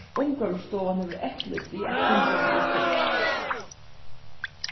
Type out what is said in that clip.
umhvørvisstovan hevur eftirlit við at kunngerðin verður fylgd